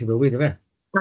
Ie.